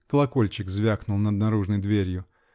Колокольчик звякнул над наружной дверью.